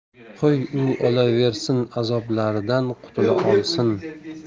qo'y u o'laversin azoblaridan qutula qolsin